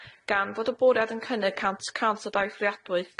Gan fod y bwriad yn cynnig cant y cant o dai fforiadwy,